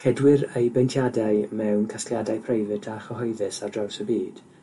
Cedwir ei beintiadau mewn casgliadau preifit a chyhoeddus ar draws y byd,